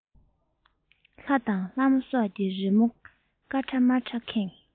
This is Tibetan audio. ལྷ དང ལྷ མོ སོགས ཀྱི རི མོ དཀར ཁྲ དམར ཁྲས ཁེངས